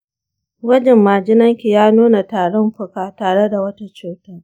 gwajin majinanki ya nuna tarin fuka tare da wata cuta.